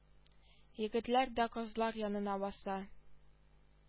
Егетләр дә кызлар янына баса